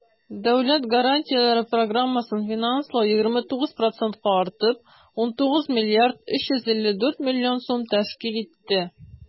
Дәүләт гарантияләре программасын финанслау 29 процентка артып, 19 млрд 354 млн сум тәшкил итте.